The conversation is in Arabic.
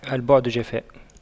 البعد جفاء